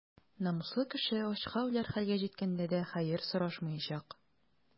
Намуслы кеше ачка үләр хәлгә җиткәндә дә хәер сорашмаячак.